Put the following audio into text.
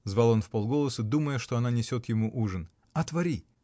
— звал он вполголоса, думая, что она несет ему ужин, — отвори!